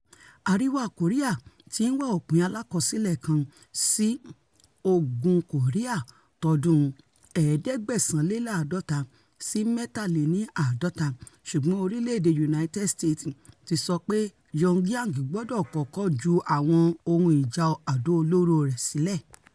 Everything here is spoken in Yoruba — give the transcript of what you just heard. Àríwá Kòríà ti ńwá òpin alákọsílẹ̀ kan sí Ogun Kòríà tọdún 1950-53, ṣùgbọn orílẹ̀-èdè United Ststes ti sọ pé Pyongyang gbọ́dọ̀ kọ́kọ́ ju àwọn ohun ìjà àdó olóró rẹ̀ sílẹ̀.